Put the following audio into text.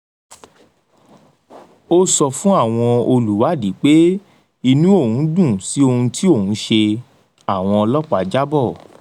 Ó sọ fún àwọn olùwádì pé inú òun dùn sí ohun tí òun ṣe, àwọn ọlọ́pàá jábọ̀.